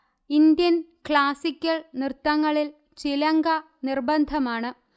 Indian classical നൃത്തങ്ങളിൽ ചിലങ്ക നിർബന്ധമാണ്